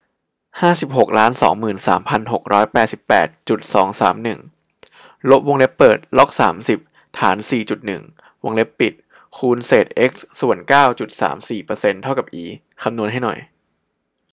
ห้าสิบหกล้านสองหมื่นสามพันหกร้อยแปดสิบแปดจุดสองสามหนึ่งลบวงเล็บเปิดล็อกสามสิบฐานสี่จุดหนึ่งวงเล็บปิดคูณเศษเอ็กซ์ส่วนเก้าจุดสามสี่เปอร์เซ็นต์เท่ากับอีคำนวณให้หน่อย